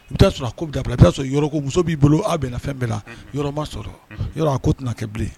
N' sɔrɔ i'a sɔrɔ yɔrɔ muso b'i bolo aw bɛ na fɛn bɛɛ la yɔrɔma sɔrɔ yɔrɔ ko tɛna kɛ bilen